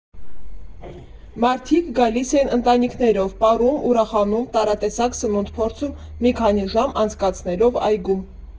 Մարդիկ գալիս էին ընտանիքներով, պարում, ուրախանում, տարատեսակ սնունդ փորձում՝ մի քանի ժամ անցկացնելով այգում։